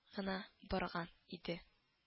Гына барган иде